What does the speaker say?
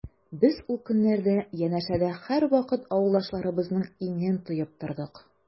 Без ул көннәрдә янәшәдә һәрвакыт авылдашларыбызның иңен тоеп тордык.